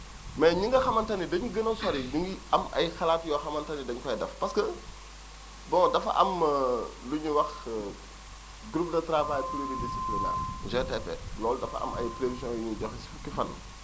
mais ñi nga xamante ni dañ gën a sori ñu ngi am ay xalaat yoo xamante ni dañ koy def parce que bon dafa am lu ñuy wax groupe de travail pluridisciplinaire GTP loolu dafa am ay prévisions yu muy joxe si fukki fan